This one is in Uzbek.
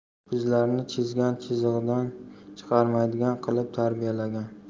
bizlarni chizgan chizig'idan chiqmaydigan qilib tarbiyalagan